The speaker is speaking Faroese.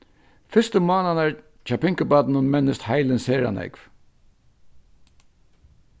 fyrstu mánaðirnar hjá pinkubarninum mennist heilin sera nógv